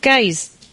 Guys.